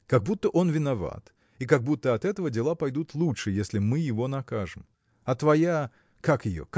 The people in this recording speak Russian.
как будто он виноват и как будто от этого дела пойдут лучше если мы его накажем! А твоя. как ее?